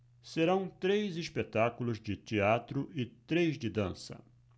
serão três espetáculos de teatro e três de dança